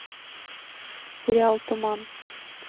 сериал туман